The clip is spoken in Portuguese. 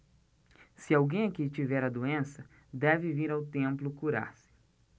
se alguém aqui tiver a doença deve vir ao templo curar-se